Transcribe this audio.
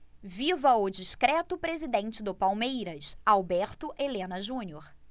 viva o discreto presidente do palmeiras alberto helena junior